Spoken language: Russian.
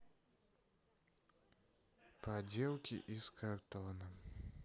поделки из картона